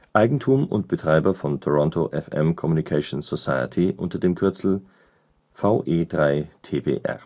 Eigentum und Betreiber von Toronto FM Communications Society unter dem Kürzel VE3TWR